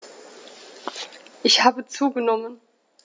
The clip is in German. Ich habe zugenommen.